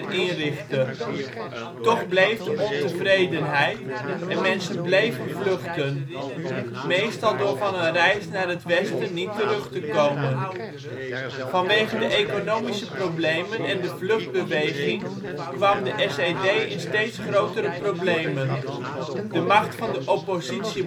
inrichtte. Toch bleef de ontevredenheid, en mensen bleven vluchten (meestal door van een reis naar het Westen niet terug te komen). Vanwege de economische problemen en de vluchtbeweging kwam de SED in steeds grotere problemen; de macht van de oppositie